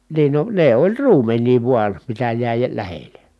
niin no ne oli ruumenia vain mitä jäi - lähelle